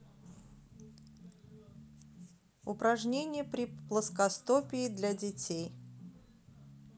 упражнения при плоскостопии для детей